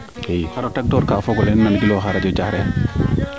xar tak toor kaa fogole na nan gilooxa radio Diarekh